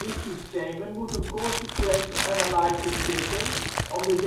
systemen moet een Consequence Analyses zitten om de